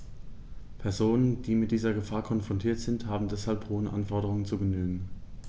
Personen, die mit dieser Gefahr konfrontiert sind, haben deshalb hohen Anforderungen zu genügen.